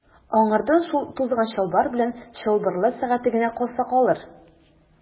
Аңардан шул тузган чалбар белән чылбырлы сәгате генә калса калыр.